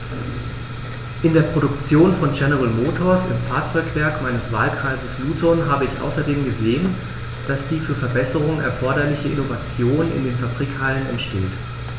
In der Produktion von General Motors, im Fahrzeugwerk meines Wahlkreises Luton, habe ich außerdem gesehen, dass die für Verbesserungen erforderliche Innovation in den Fabrikhallen entsteht.